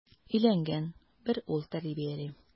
Өйләнгән, бер ул тәрбияли.